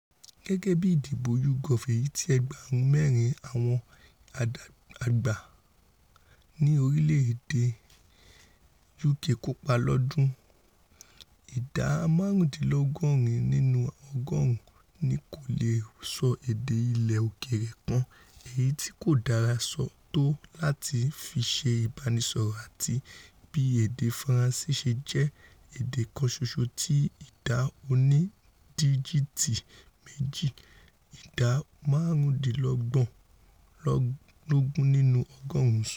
Gẹ́gẹ́ bi ìdìbò YouGov èyití ẹgbẹ̀rún mẹ́rin àwọn àgbà ní orile-ede UK kópa lọ́dún 2013, ìdá márùndínlọ́gọ́rin nínú ọgọ́ọ̀rún ni kò leè sọ èdè ilẹ̀ òkèèrè kan èyití kódára tó láti fiṣe ibánisọ̀rọ̀ atí bii èdè Faranṣe sè jẹ́ èdè kan ṣoṣo tí ìdá oní-díjíìtì méjì, ìdá márùndínlógún nínú ọgọ́ọ̀rún ńsọ.